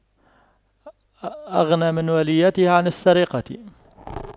أغن من وليته عن السرقة